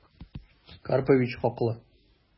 Карпович хаклы...